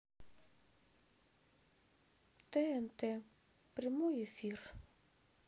тнт прямой эфир